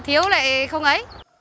thiếu lại không ấy